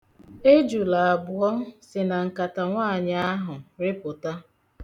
Ejụla abụọ si na nkata nwaanyị ahụ rịpụta.